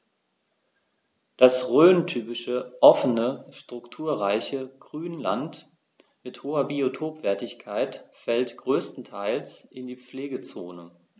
Das rhöntypische offene, strukturreiche Grünland mit hoher Biotopwertigkeit fällt größtenteils in die Pflegezone.